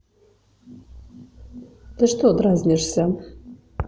ты что дразнишься